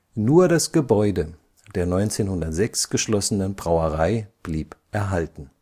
Nur das Gebäude der 1906 geschlossenen Brauerei blieb erhalten